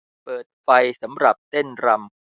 เปิดไฟสำหรับเต้นรำ